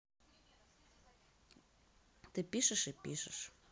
ты пишешь и пишешь